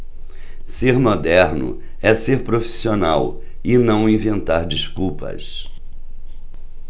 ser moderno é ser profissional e não inventar desculpas